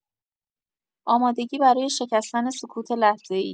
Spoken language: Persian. آمادگی برای شکستن سکوت لحظه‌ای